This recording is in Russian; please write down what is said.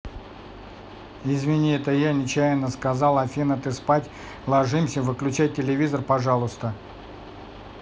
извини это я нечаянно сказал афина мы спать ложимся выключай телевизор пожалуйста